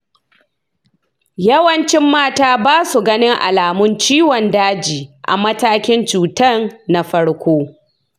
yawancin mata basu ganin alamun ciwon daji a matakin cutan na farko.